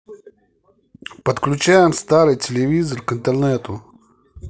подключаем старый телевизор к интернету